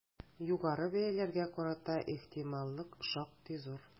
Югары бәяләргә карата ихтималлык шактый зур.